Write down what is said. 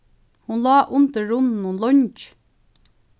hon lá undir runninum leingi